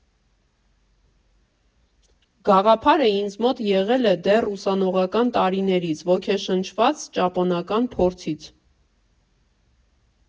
Գաղափարը ինձ մոտ եղել է դեռ ուսանողական տարիներից՝ ոգեշնչված ճապոնական փորձից,